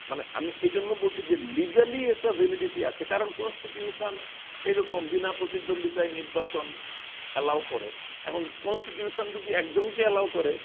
মানে আমি এজন্য বলছি লিগালি একটা ভ্যালিডিটি আছে কারণ কনস্টিটিউশন এরকম বিনা প্রতিদ্বন্দ্বিতায় নির্বাচন অ্যালাও করে এখন কনস্টিটিউশন যদি একজনকে অ্যালাও করে